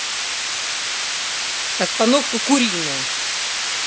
остановка куриная